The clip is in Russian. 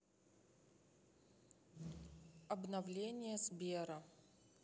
обновление сбера